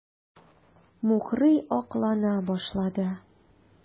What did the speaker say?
Мухрый аклана башлады.